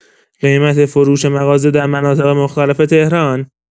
قیمت فروش مغازه در مناطق مختلف تهران